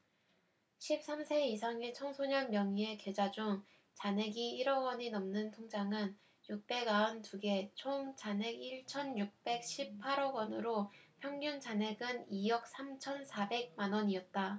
십 삼 세 이상의 청소년 명의의 계좌 중 잔액이 일 억원이 넘는 통장은 육백 아흔 두 개 총 잔액 일 천 육백 십 팔 억원으로 평균 잔액은 이 억 삼 천 사백 만원이었다